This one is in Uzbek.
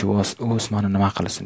u o'smani nima qilsin